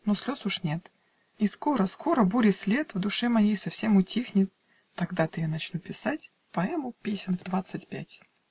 но слез уж нет, И скоро, скоро бури след В душе моей совсем утихнет: Тогда-то я начну писать Поэму песен в двадцать пять.